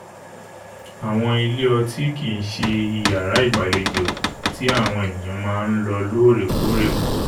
Àwọn ilé ọtí kìí ṣe iyàrá ìgbàlejò tí àwọn èniyàn máa ńlọ lóòrè-kóòrè mọ́.